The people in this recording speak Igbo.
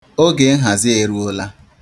Oge nhazi eruola.